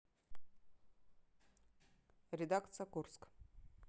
редакция курск